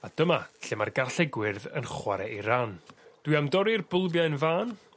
a dyma lle ma'r garlleg gwyrdd yn chware 'i ran. Dwi am dorri'r bwlbie'n fân,